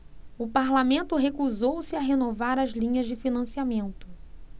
o parlamento recusou-se a renovar as linhas de financiamento